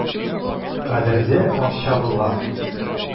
Кадерле арчалылар!